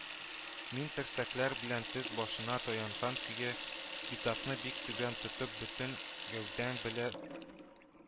Мин терсәкләр белән тез башына таянган көе, китапны бик түбән тотып, бөтен гәүдәм белән